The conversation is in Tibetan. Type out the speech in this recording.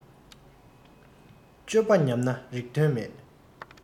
སྤྱོད པ ཉམས ན རིགས དོན མེད